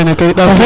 mene kay ɗaaf